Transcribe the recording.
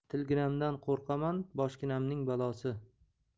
tilginamdan qo'rqaman boshginamnnig balosi